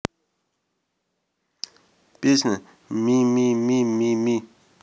песня мимимими